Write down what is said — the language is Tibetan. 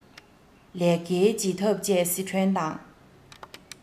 ལས ཀའི བྱེད ཐབས བཅས སི ཁྲོན དང